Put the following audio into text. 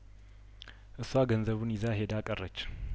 እሷ ገንዘቡን ይዛ ሄዳ ቀረች